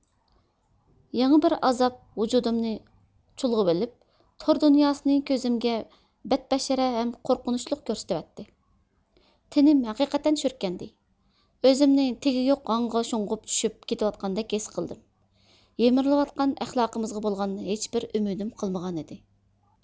يېڭى بىر ئازاب ۋۇجۇدۇمنى چۈلغىۋېلىپ تور دۇنياسىنى كۆزۈمگە بەتبەشىرە ھەم قورقۇنۇچلۇق كۆرسىتىۋەتتى تېنىم ھەقىقەتەن شۈركەندى ئۆزۈمنى تېگى يوق ھاڭغا شۇڭغۇپ چۈشۈپ كېتىۋاتقاندەك ھېس قىلدىم يېمىرىلىۋاتقان ئەخلاقىمىزغا بولغان ھېچ بىر ئۈمىدىم قالمىغانىدى